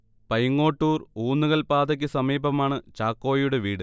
പൈങ്ങോട്ടൂർ - ഊന്നുകൽ പാതയ്ക്ക് സമീപമാണ് ചാക്കോയുടെ വീട്